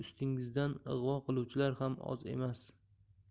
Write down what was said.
ustingizdan ig'vo qiluvchilar ham oz emas